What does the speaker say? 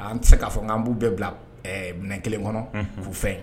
An tɛ k'a fɔ k'an b'u bɛɛ bila minɛn kelen kɔnɔ, unhun, k'u fɛn